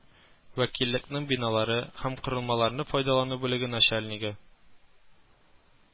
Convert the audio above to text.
Вәкиллекнең биналарны һәм корылмаларны файдалану бүлеге начальнигы